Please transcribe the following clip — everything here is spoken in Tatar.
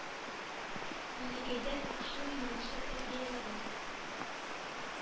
Бәләкәйдән үк шул юнәлештә тәрбияләде.